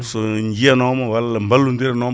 ɓen so jiiyanoma walla ballo ndiranoma